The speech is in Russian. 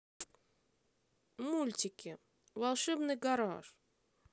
мультики волшебный гараж